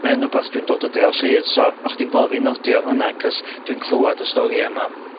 mae yn wbath dwi'n dod ar draws hyd so o' chdi'n gwel' fi nodio fyna acos dwi'n clwad y storia' 'ma